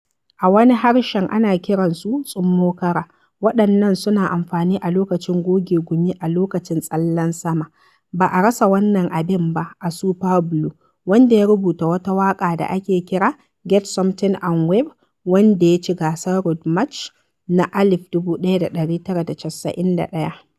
A wani harshen ana kiransu "tsummokara" waɗannan suna amfani a lokacin goge gumi a lokacin "tsalle sama". Ba a rasa wannan abin ba a "Super Blue, wanda ya rubuta wata waƙa da ake kira "Get Something and Waɓe", wadda ya ci gasar Road March na 1991.